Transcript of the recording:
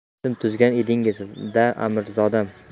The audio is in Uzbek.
bitim tuzgan edingiz da amirzodam